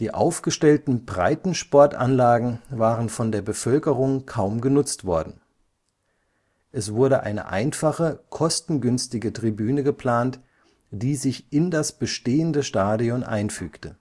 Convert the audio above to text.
aufgestellten Breitensportanlagen waren von der Bevölkerung kaum genutzt worden. Es wurde eine einfache, kostengünstige Tribüne geplant, die sich in das bestehende Stadion einfügte